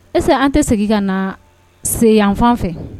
Ese an tɛ segin ka na se yanfan fɛ